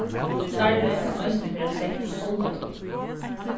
starvið kann eisini verða sett til hálva tíð